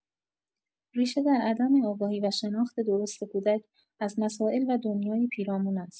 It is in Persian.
ریشه در عدم آگاهی و شناخت درست کودک از مسائل و دنیای پیرامون است.